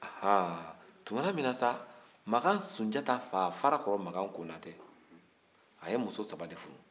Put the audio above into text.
anhah tumana min na sa makan sujata fa farakɔrɔ makan konate a ye muso saba de furu